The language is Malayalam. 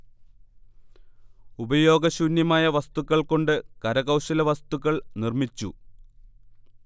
ഉപയോഗശൂന്യമായ വസ്തുക്കൾ കൊണ്ട് കരകൗശല വസ്തുക്കൾ നിർമിച്ചു